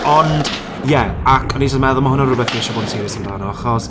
Ond, ie, ac o'n i jyst yn meddwl, ma' hwn yn rywbeth fi isie bod yn serious amdano achos...